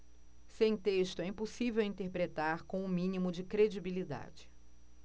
sem texto é impossível interpretar com o mínimo de credibilidade